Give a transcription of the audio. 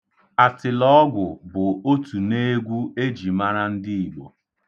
Atịlọọgwụ bụ otu n'egwu e ji mara ndị Igbo.